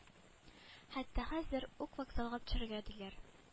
Хәтта хәзер үк вокзалга төшәргә диләр